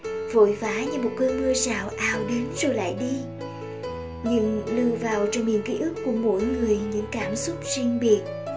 vội vã như một cơn mưa rào ào đến rồi lại đi nhưng lưu vào trong miền ký ức của mỗi người những cảm xúc riêng biệt